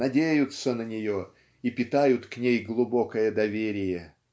надеются на нее и питают к ней глубокое доверие.